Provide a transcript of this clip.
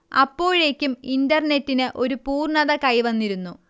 അപ്പോഴേക്കും ഇന്റർനെറ്റിന് ഒരു പൂർണ്ണത കൈവന്നിരുന്നു